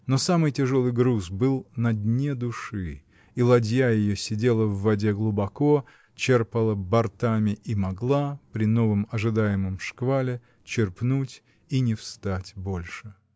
Но самый тяжелый груз был на дне души, и ладья ее сидела в воде глубоко, черпала бортами и могла, при новом, ожидаемом шквале, черпнуть и не встать больше.